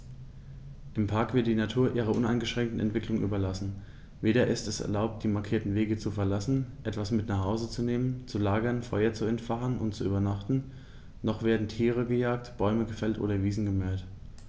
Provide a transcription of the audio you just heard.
Im Park wird die Natur ihrer uneingeschränkten Entwicklung überlassen; weder ist es erlaubt, die markierten Wege zu verlassen, etwas mit nach Hause zu nehmen, zu lagern, Feuer zu entfachen und zu übernachten, noch werden Tiere gejagt, Bäume gefällt oder Wiesen gemäht.